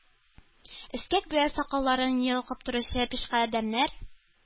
Эскәк белән сакалларын йолкып торучы пишкадәмнәр,